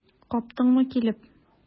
Каптыңмы килеп?